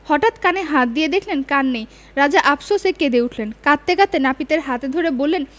হঠাৎ কানে হাত দিয়ে দেখলেন কান নেই রাজা আপসোসে কেঁদে উঠলেন কাঁদতে কাঁদতে নাপিতের হাতে ধরে বললেন